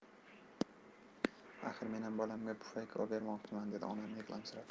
axir menam bolamga pufayka obermoqchiman dedi onam yig'lamsirab